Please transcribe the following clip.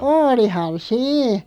olihan siinä